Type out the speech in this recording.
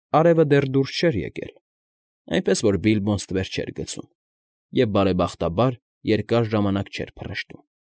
Արևը դեռ դուրս չէր եկել, այնպես որ Բիլբոն ստվեր չէր գցում և, բարեբախտաբար, երկար ժամանակ չէր փռշտում։